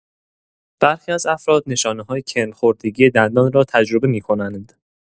برخی از افراد، نشانه‌های کرم‌خوردگی دندان را تجربه می‌کنند.